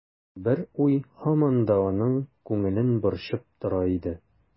Бер уй һаман да аның күңелен борчып тора иде.